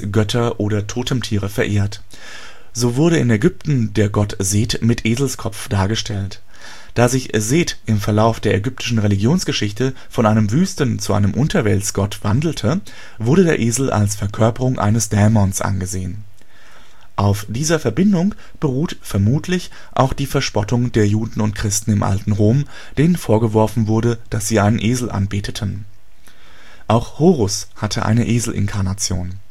Götter oder Totemtiere verehrt. So wurde in Ägypten der Gott Seth mit Eselskopf dargestellt. Da sich Seth im Verlauf der ägyptischen Religionsgeschichte von einem Wüsten - zu einem Unterweltsgott wandelte, wurde der Esel als Verkörperung eines Dämons angesehen. Auf dieser Verbindung beruht vermutlich auch die Verspottung der Juden und Christen im alten Rom, denen vorgeworfen wurde, dass sie einen Esel anbeteten. Auch Horus hatte eine Esel-Inkarnation